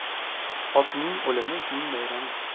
otning o'limi itning bayrami